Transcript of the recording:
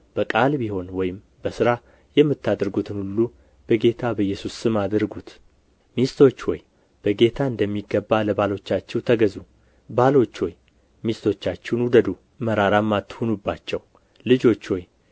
በቃል ቢሆን ወይም በሥራ የምታደርጉትን ሁሉ በጌታ በኢየሱስ ስም አድርጉት ሚስቶች ሆይ በጌታ እንደሚገባ ለባሎቻችሁ ተገዙ ባሎች ሆይ ሚስቶቻችሁን ውደዱ መራራም አትሁኑባቸው ልጆች ሆይ